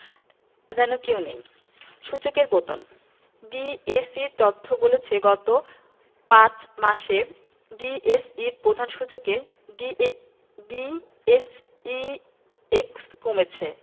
যেন কেউ নেই সূচকের পতন ডিএসইর তথ্য বলছে গত ৫ মাসে ডিএসইর প্রধান সূচক ডিএসইএক্স কমেছে